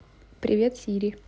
привет сири